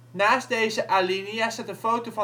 Rond